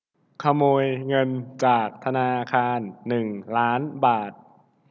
ขโมยเงินจากธนาคารหนึ่งล้านบาท